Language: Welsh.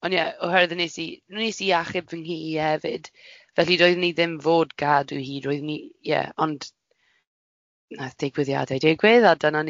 Ond yeah, oherwydd wnes i wnes i achub fy nghi i hefyd, felly doeddwn i ddim fod gadw hi doeddwn i ie, ond wnaeth digwyddiadau digwydd a dyna ni.